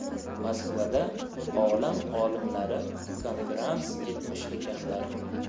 moskvada olam olimlari konferans etmish ekanlar